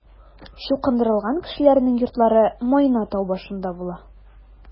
Чукындырылган кешеләрнең йортлары Майна тау башында була.